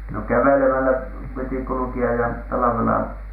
no kävelemällä piti kulkea ja talvella